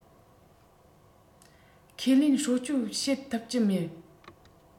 ཁས ལེན སྲུང སྐྱོབ བྱེད ཐུབ ཀྱི མིན